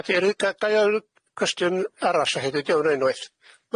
Ga' ti eri- ga- da iawn cwestiwn arall a hei dyw diom yn unwaith.